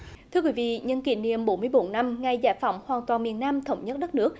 thưa quý vị nhân kỷ niệm bốn mươi bốn năm ngày giải phóng hoàn toàn miền nam thống nhất đất nước